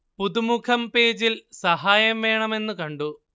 പുതുമുഖം പേജിൽ സഹായം വേണമെന്നു കണ്ടു